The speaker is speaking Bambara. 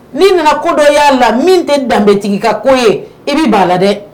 N'i nana ko dɔ i y'a la min tɛ danbebetigi ka ko ye i bɛ' la dɛ